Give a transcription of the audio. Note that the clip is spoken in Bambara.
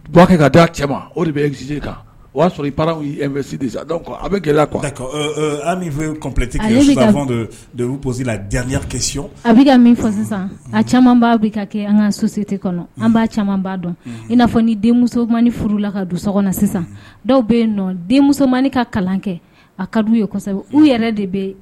Kɛ ka' cɛ o de bɛ kan o y'a sɔrɔ i sidi a bɛ gɛlɛya an fɛtigi la diyasi a bɛ ka min fɔ sisan a caman b'a bɛ ka kɛ an kaan sosite kɔnɔ an b'a caman'a dɔn i n'a ni denmusomani furula ka du so kɔnɔ sisan dɔw bɛ yen nɔn denmusomani ka kalan kɛ a ka duu yesɛbɛ u yɛrɛ de bɛ yen